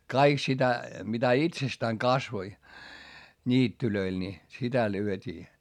kaikkea sitä mitä itsestään kasvoi niityillä niin sitä lyötiin